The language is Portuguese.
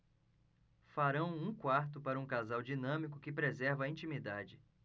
farão um quarto para um casal dinâmico que preserva a intimidade